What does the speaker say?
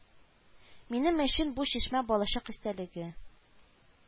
Минем өчен бу чишмә балачак истәлеге